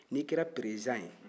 n'i kɛra peresidan ye